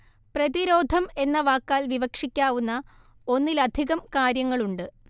പ്രതിരോധം എന്ന വാക്കാല്‍ വിവക്ഷിക്കാവുന്ന ഒന്നിലധികം കാര്യങ്ങളുണ്ട്